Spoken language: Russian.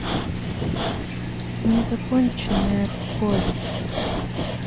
незаконченная повесть